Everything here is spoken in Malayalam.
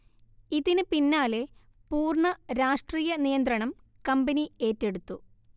ഇതിന് പിന്നാലെ പൂർണ്ണ രാഷ്ട്രീയ നിയന്ത്രണം കമ്പനി ഏറ്റെടുത്തു